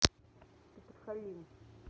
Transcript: ты подхалим